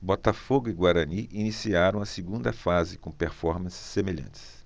botafogo e guarani iniciaram a segunda fase com performances semelhantes